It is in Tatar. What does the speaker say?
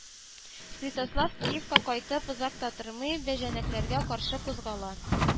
Святослав Киевка кайтып, озак та тормый, бәҗәнәкләргә каршы кузгала